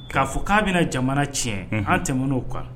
K'a fɔ k'a bɛna jamana tiɲɛ an tɛɔnɔ kan